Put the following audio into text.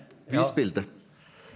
vis bildet!